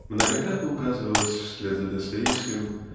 Многократно указывалось (вслед за Достоевским)